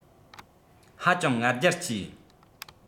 ཧ ཅང ང རྒྱལ སྐྱེས